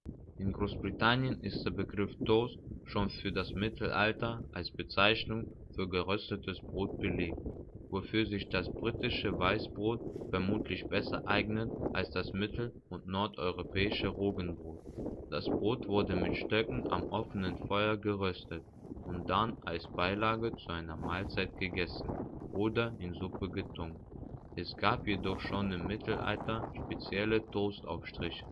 Großbritannien ist der Begriff tost schon für das Mittelalter als Bezeichnung für geröstetes Brot belegt, wofür sich das britische Weißbrot vermutlich besser eignete als das mittel - und nordeuropäische Roggenbrot. Das Brot wurde mit Stöcken am offenen Feuer geröstet und dann als Beilage zu einer Mahlzeit gegessen oder in Suppe getunkt. Es gab jedoch schon im Mittelalter spezielle Toast-Aufstriche